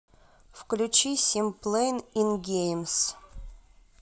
включи сим плей ин геймс